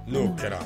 N'o kɛra